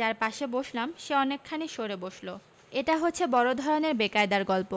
যার পাশে বসলাম সে অনেকখানি সরে বসা এটা হচ্ছে বড় ধরনের বেকায়দার গল্প